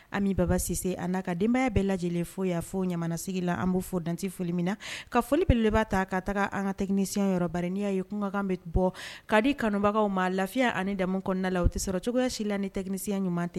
Ami Baba sise a n'a ka denbaya bɛɛ lajɛlen fo y'a fɔ ɲamanasigi la an fɔ dan tɛ foli minna ka foli belebele ba ta ka taga an ka technicien yɔrɔ bari n'i y'a ye kumakan bɛ bɔ ka di kanubagaw ma lafiya ani damu kɔnɔna la u tɛ sɔrɔ cogoyasi la ni technicien ɲuman